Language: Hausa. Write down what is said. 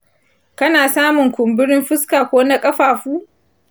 kana samun kumburin fuska ko na ƙafafu?